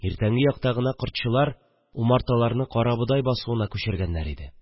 Иртәнге якта гына кортчылар умарталарны карабодай басуына күчергәннәр иде